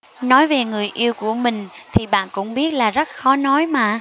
nói về người yêu của mình thì bạn cũng biết là rất khó nói mà